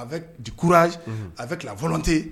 Avec du courage , unhun, avec la volonté